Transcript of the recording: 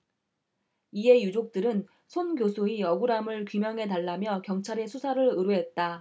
이에 유족들은 손 교수의 억울함을 규명해 달라며 경찰에 수사를 의뢰했다